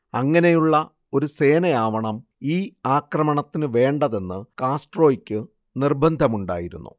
അങ്ങനെയുള്ള ഒരു സേനയാവണം ഈ ആക്രമണത്തിനു വേണ്ടതെന്ന് കാസ്ട്രോയക്കു നിർബന്ധമുണ്ടായിരുന്നു